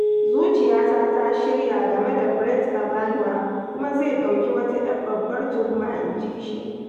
"Zuciyata ta shirya game da Brett Kavanaugh kuma zai ɗauki wata 'yar babbar tuhuma," inji shi.